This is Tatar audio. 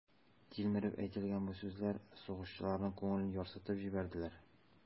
Тилмереп әйтелгән бу сүзләр сугышчыларның күңелен ярсытып җибәрделәр.